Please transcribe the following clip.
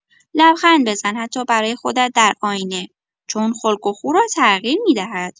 لبخند بزن حتی برای خودت در آینه چون خلق و خو را تغییر می‌دهد.